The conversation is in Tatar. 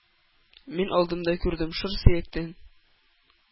Мин алдымда күрдем шыр сөяктән